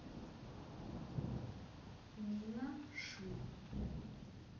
нина ши